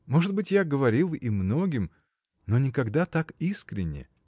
Может быть, я говорил и многим, но никогда так искренно.